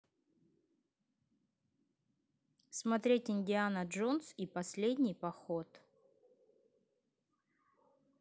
смотреть индиана джонс и последний поход